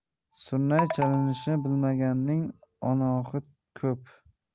surnay chalishni bilmaganning ohangi ko'p